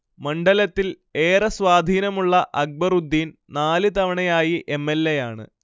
മണ്ഡലത്തിൽ ഏറെ സ്വാധീനമുള്ള അക്ബറുദ്ദീൻ നാല് തവണയായി എംഎൽഎയാണ്